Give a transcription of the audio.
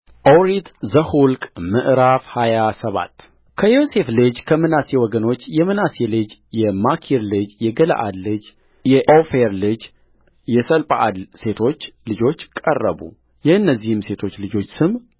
ኦሪት ዘኍልቍ ምዕራፍ ሃያ ሰባት ከዮሴፍ ልጅ ከምናሴ ወገኖች የምናሴ ልጅ የማኪር ልጅ የገለዓድ ልጅ የኦፌር ልጅ የሰለጰዓድ ሴቶች ልጆች ቀረቡ የእነዚህም ሴቶች ልጆች ስም